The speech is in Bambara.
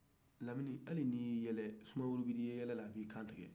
lamini hali n'i y'i yɛlɛ sumaworo man'i ye yɛlɛ la a b'i kantigɛ